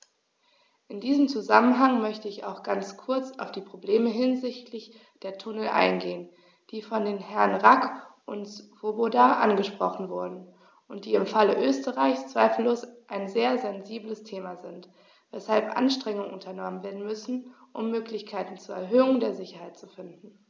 In diesem Zusammenhang möchte ich auch ganz kurz auf die Probleme hinsichtlich der Tunnel eingehen, die von den Herren Rack und Swoboda angesprochen wurden und die im Falle Österreichs zweifellos ein sehr sensibles Thema sind, weshalb Anstrengungen unternommen werden müssen, um Möglichkeiten zur Erhöhung der Sicherheit zu finden.